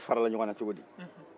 an n'e faranna ɲɔgɔn na cogo di